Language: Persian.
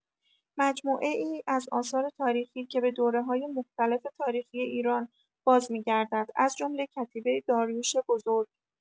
مجموعه‌ای از آثار تاریخی که به دوره‌های مختلف تاریخی ایران بازمی‌گردد، از جمله کتیبه داریوش بزرگ.